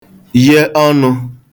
ye ọnụ̀